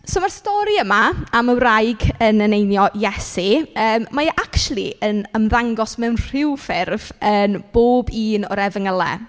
So mae'r stori yma am y wraig yn eneinio Iesu. Yym mae e acshyli yn ymddangos mewn rhyw ffurf yn bob un o'r Efengylau.